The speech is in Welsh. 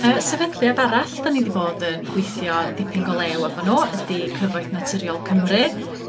Y sefydliad arall 'dan ni 'di bod yn gweithio dipyn go lew efo nw ydi Cyfoeth Naturiol Cymru